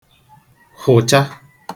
hụ̀cha